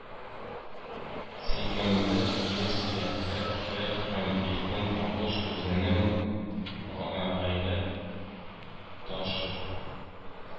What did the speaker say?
Сөйкемле йөз-кыяфәт, көр һәм иркен тавыш, үзеннән гайрәт ташып,